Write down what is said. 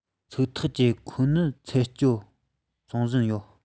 ཚིག ཐག བཅད ཁོ ནི ཚབ སྤྲོད བཙོང བཞིན ཡོད